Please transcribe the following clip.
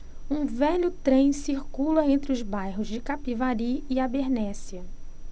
um velho trem circula entre os bairros de capivari e abernéssia